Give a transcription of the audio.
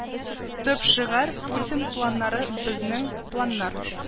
Төп шигарь - Путин планнары безнең планнар